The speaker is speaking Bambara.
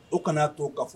O kana'a t too ka fɔ